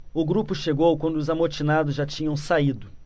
o grupo chegou quando os amotinados já tinham saído